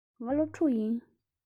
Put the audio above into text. ང སློབ ཕྲུག ཡིན